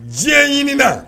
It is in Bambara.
Diɲɛ ɲinin na